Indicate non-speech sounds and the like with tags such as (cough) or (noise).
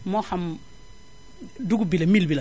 moo xam (hesitation) dugub bi la mil bi la